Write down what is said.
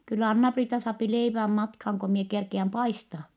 kyllä Anna-Priita saa leivän matkaan kun minä kerkiän paistaa